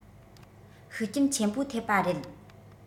ཤུགས རྐྱེན ཆེན པོ ཐེབས པ རེད